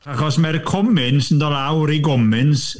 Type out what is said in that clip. Achos mae'r cwm hyn sy'n dod lawr i Gomins...